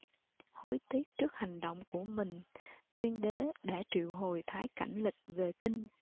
hối tiếc trước hành động của mình tuyên đế đã triệu hồi thái cảnh lịch về kinh